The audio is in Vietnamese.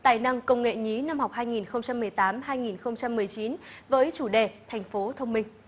tài năng công nghệ nhí năm học hai nghìn không trăm mười tám hai nghìn không trăm mười chín với chủ đề thành phố thông minh